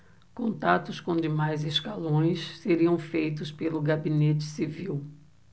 contatos com demais escalões seriam feitos pelo gabinete civil